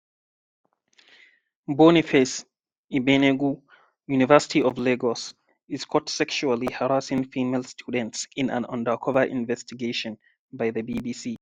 Boniface Igbeneghu, University of Lagos, is caught sexually harassing female students in an undercover investigation by the BBC.